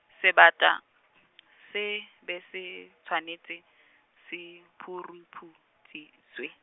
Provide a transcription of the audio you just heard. sebata , se be se swanetše se phuruphušitšwe.